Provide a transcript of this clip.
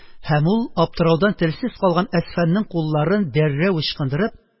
Һәм ул аптыраудан телсез калган Әсфанның кулларын дәррәү ычкындырып